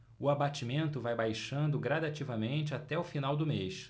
o abatimento vai baixando gradativamente até o final do mês